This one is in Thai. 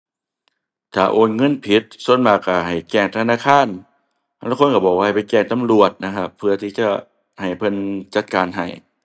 ถ้าโอนเงินผิดส่วนมากให้แจ้งธนาคาร ลางคนก็บอกว่าให้ไปแจ้งตำรวจนะครับ เพื่อที่จะให้เพิ่นจัดการให้